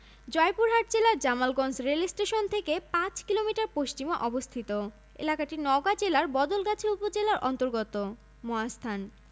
দিনাজপুর জেলার নওয়াবগঞ্জ উপজেলায় অবস্থিত ওয়ারী বটেশ্বর নরসিংদী জেলার বেলাব থানা থেকে প্রায় তিন কিলোমিটার পশ্চিমে অবস্থিত